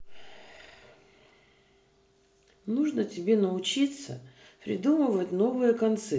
тебе нужно научиться придумывать новые концепции